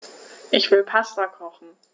Ich will Pasta kochen.